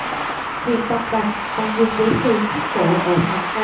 huyền tông đành mang dương quý phi thắt cổ ở mã ngôi